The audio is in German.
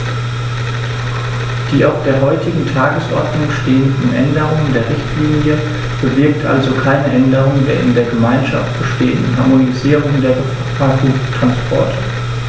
Die auf der heutigen Tagesordnung stehende Änderung der Richtlinie bewirkt also keine Änderung der in der Gemeinschaft bestehenden Harmonisierung der Gefahrguttransporte.